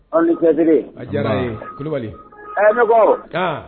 Aw ni tɛ a diyara kulubali ɛ